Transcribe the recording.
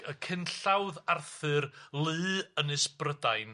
y cynllawdd Arthur lu Ynys Brydain.